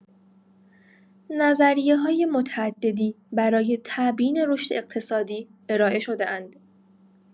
نظریه‌های متعددی برای تبیین رشد اقتصادی ارائه شده‌اند.